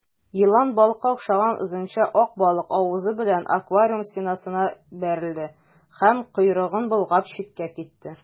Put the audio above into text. Елан балыкка охшаган озынча ак балык авызы белән аквариум стенасына бәрелде һәм, койрыгын болгап, читкә китте.